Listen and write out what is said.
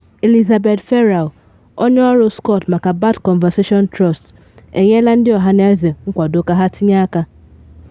Elisabeth Ferrell, onye ọrụ Scot maka Bat Conservation Trust, enyela ndị ọhaneze nkwado ka ha tinye aka.